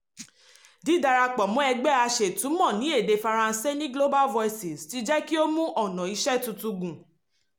Dīdarapọ̀ mọ́ ẹgbẹ́ aṣètumọ̀ ní èdè Faransé ní Global Voices ti jẹ́ kí ó mú ọ̀nà ìṣe tuntun gùn.